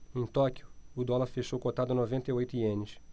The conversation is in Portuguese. em tóquio o dólar fechou cotado a noventa e oito ienes